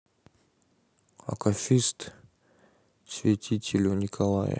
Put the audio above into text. акафист святителю николая